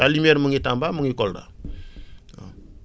La Lumière mu ngi Tamba mu ngi Kolda waaw